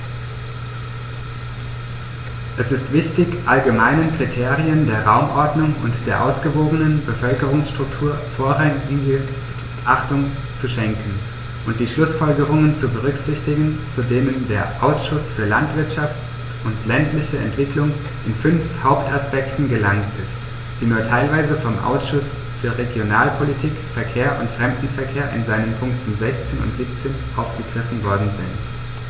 Es ist wichtig, allgemeinen Kriterien der Raumordnung und der ausgewogenen Bevölkerungsstruktur vorrangige Beachtung zu schenken und die Schlußfolgerungen zu berücksichtigen, zu denen der Ausschuss für Landwirtschaft und ländliche Entwicklung in fünf Hauptaspekten gelangt ist, die nur teilweise vom Ausschuss für Regionalpolitik, Verkehr und Fremdenverkehr in seinen Punkten 16 und 17 aufgegriffen worden sind.